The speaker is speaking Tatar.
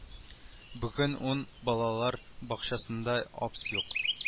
Бүген ун балалар бакчасында апс юк